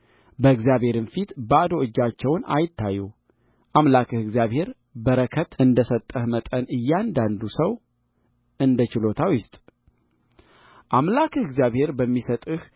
በእግዚአብሔርም ፊት ባዶ እጃቸውን አይታዩ አምላክህ እግዚአብሔር በረከት እንደ ሰጠህ መጠን እያንዳንዱ ሰው እንደ ችሎታው ይስጥ አምላክህ እግዚአብሔር በሚሰጥህ